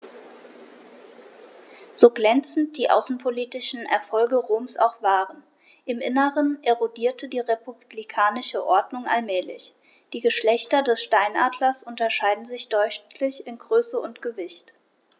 So glänzend die außenpolitischen Erfolge Roms auch waren: Im Inneren erodierte die republikanische Ordnung allmählich. Die Geschlechter des Steinadlers unterscheiden sich deutlich in Größe und Gewicht.